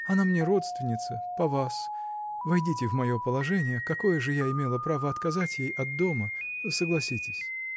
она мне родственница -- по вас: войдите в мое положение, какое же я имела право отказать ей от дома, -- согласитесь?